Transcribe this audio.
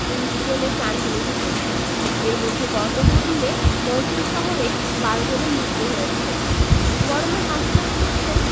১৯ জনের প্রাণহানি ঘটেছে এর মধ্যে গত দুদিনে মন্ট্রিল শহরেই ১২ জনের মৃত্যু হয়েছে গরমে হাসফাঁস করছেন